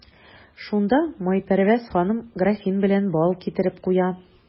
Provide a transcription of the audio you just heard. Шунда Майпәрвәз ханым графин белән бал китереп куя.